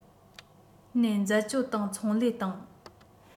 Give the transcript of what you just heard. ནས འཛད སྤྱོད དང ཚོང ལས དང